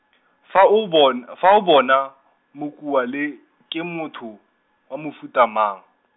fa o bon-, fa o bona, Mokua le, ke motho, wa mofuta mang?